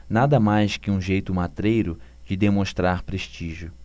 nada mais que um jeito matreiro de demonstrar prestígio